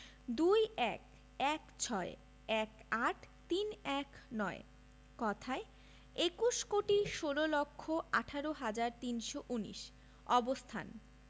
২১ ১৬ ১৮ ৩১৯ কথায়ঃ একুশ কোটি ষোল লক্ষ আঠারো হাজার তিনশো উনিশ অবস্থান